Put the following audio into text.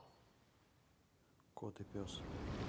кот и пес